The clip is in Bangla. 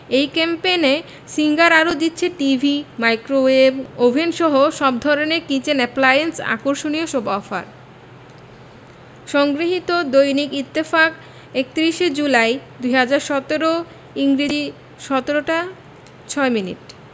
এই ক্যাম্পেইনে সিঙ্গার আরো দিচ্ছে টিভি মাইক্রোওয়েভ ওভেনসহ সব ধরনের কিচেন অ্যাপ্লায়েন্সে আকর্ষণীয় সব অফার সংগৃহীত দৈনিক ইত্তেফাক ৩১ জুলাই ২০১৭ ইংরেজি ১৭ টা ৬ মিনিট